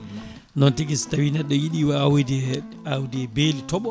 noon tigui so tawi neɗɗo yiiɗi awoyde awdi beeli tooɓo